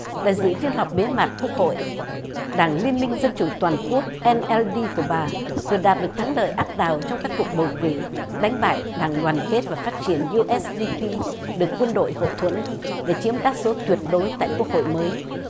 để dự phiên họp bế mạc quốc hội đảng liên minh dân chủ toàn quốc en eo đi của bà vừa đạt được thắng lợi áp đảo trong các cuộc bầu cử đánh bại đảng đoàn kết và phát triển iu ét di bi được quân đội hậu thuẫn để chiếm đa số tuyệt đối tại quốc hội mới